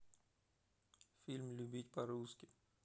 фильм любить по русски